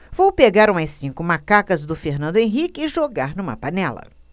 vou pegar umas cinco macacas do fernando henrique e jogar numa panela